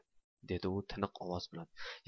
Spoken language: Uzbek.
dedi u tiniq ovoz bilan